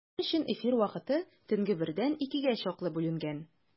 Алар өчен эфир вакыты төнге бердән икегә чаклы бүленгән.